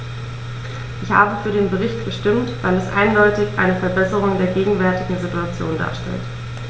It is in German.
Ich habe für den Bericht gestimmt, weil er eindeutig eine Verbesserung der gegenwärtigen Situation darstellt.